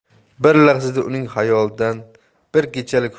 bir lahzada uning xayolidan bir kechalik huzur